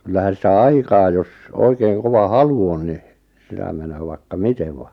kyllähän sitä aikaa jos oikein kova halu on niin sitä menee vaikka miten vain